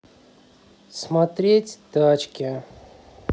смотреть тачки